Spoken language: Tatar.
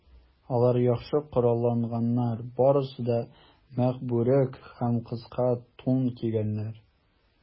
Алар яхшы коралланганнар, барысы да мех бүрек һәм кыска тун кигәннәр.